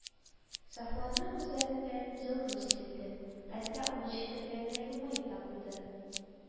Сафуанның күзләрендә җылыну сизелде, хәтта авыз чите белән генә елмаеп та куйды